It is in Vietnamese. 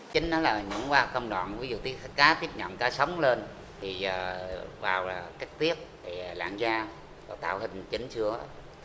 chính là qua công đoạn muối cá sống lên vào là cắt tiết lạn ra đặc biệt là